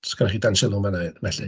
Sy gynnoch chi dan sylw fanna 'lly?